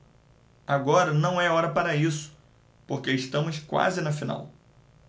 agora não é hora para isso porque estamos quase na final